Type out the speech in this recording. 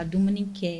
Ka dumuni kɛ